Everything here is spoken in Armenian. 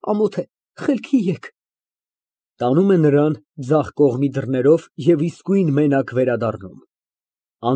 Ամոթ է, խելքի եկ։ (Տանում է նրան ձախ կողմի դռներով և իսկույն մենակ վերադառնում)։